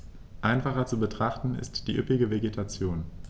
Einfacher zu betrachten ist die üppige Vegetation.